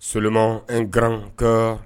Soman n garanran ka